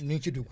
ñu ngi ci dugg